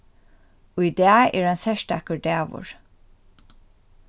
í dag er ein serstakur dagur